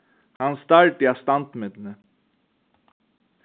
hann stardi at standmyndini